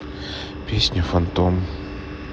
песня фантом